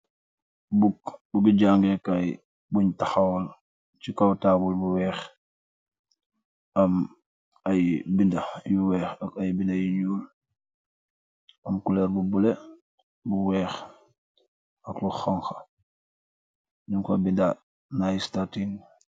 Book, book gi jaage kaye bun tahawal se kaw table bu weeh, am aye beda yu weeh ak aye beda yu njol, am coloor bu bluelo , bu weeh ak lu honha nug fa beda Nice Starting.